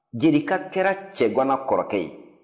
jerika kɛra cɛganan kɔrɔkɛ ye